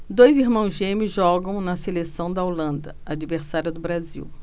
dois irmãos gêmeos jogam na seleção da holanda adversária do brasil